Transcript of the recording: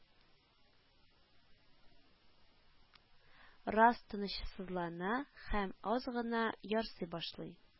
Раз тынычсызлана һәм аз гына ярсый башлый,